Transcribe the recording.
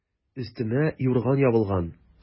Өстемә юрган ябылган.